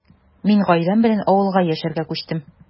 Мин гаиләм белән авылга яшәргә күчтем.